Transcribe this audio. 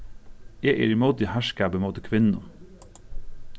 eg eri ímóti harðskapi móti kvinnum